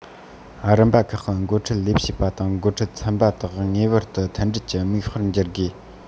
རིམ པ ཁག གི འགོ ཁྲིད ལས བྱེད པ དང འགོ ཁྲིད ཚན པ དག ངེས པར དུ མཐུན སྒྲིལ གྱི མིག དཔེར འགྱུར དགོས